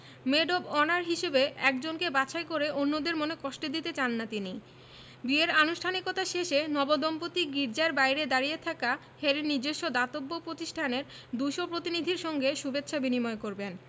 made of honour হিসেবে একজনকে বাছাই করে অন্যদের মনে কষ্ট দিতে চান না তিনি বিয়ের আনুষ্ঠানিকতা শেষে নবদম্পতি গির্জার বাইরে দাঁড়িয়ে থাকা হ্যারির নিজস্ব দাতব্য পতিষ্ঠানের ২০০ প্রতিনিধির সঙ্গে শুভেচ্ছা বিনিময় করবেন